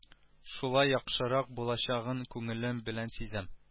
Шулай яхшырак булачагын күңелем белән сизәм